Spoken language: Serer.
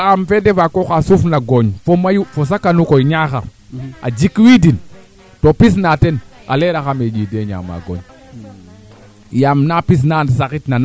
a cikaxa fadiida nga o jiku maaga moom ko waro jiku yaam ko jik u bug kaa jegoona naa a soɓa ngaa ye koo xoox wo Djibou jeg ɓasi